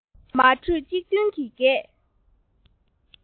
མ གྲོས གཅིག མཐུན གྱིས བགད